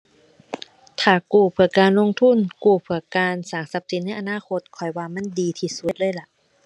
ถ้ากู้เพื่อการลงทุน กู้เพื่อการสร้างทรัพย์สินในอนาคต ข้อยว่ามันดีที่สุดเลยล่ะ